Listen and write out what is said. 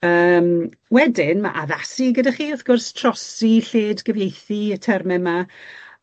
Yym, wedyn ma' addasu gyda chi, wrth gwrs, trosi, lled-gyfieithu, y terme 'ma